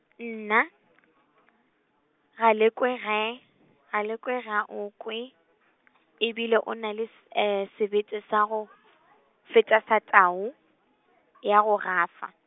nna , Galekwe ge, Galekwe ga o kwe , e bile o na le se sebete sa go , feta sa tau, ya go gafa.